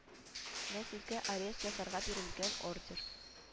Менә сезгә арест ясарга бирелгән ордер